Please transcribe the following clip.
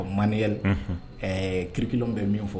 Manya kiriki bɛ min fɔ